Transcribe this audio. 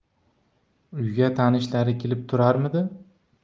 uyga tanishlari kelib turarmidi